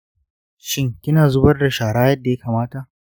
shin kina zubar da shara yadda ya kamata?